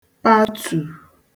patù